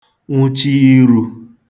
nwụchi irū